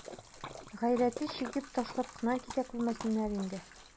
Гайрәте чигеп, ташлап кына китә күрмәсеннәр инде.